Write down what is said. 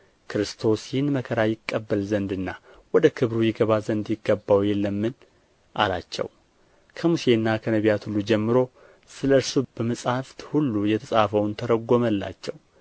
ክርስቶስ ይህን መከራ ይቀበል ዘንድና ወደ ክብሩ ይገባ ዘንድ ይገባው የለምን አላቸው ከሙሴና ከነቢያት ሁሉ ጀምሮ ስለ እርሱ በመጻሕፍት ሁሉ የተጻፈውን ተረጐመላቸው